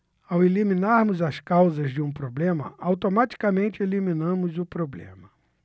ao eliminarmos as causas de um problema automaticamente eliminamos o problema